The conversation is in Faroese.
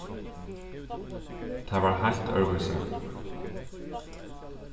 tað var heilt øðrvísi